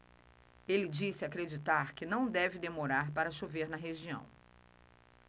ele disse acreditar que não deve demorar para chover na região